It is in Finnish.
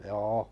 joo